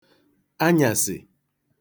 anyàsị̀